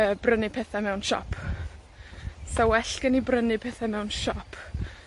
yy, brynu pethau mewn siop, 'sa well gen i brynu pethe mewn siop